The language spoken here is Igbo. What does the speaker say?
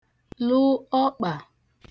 lu ọkpà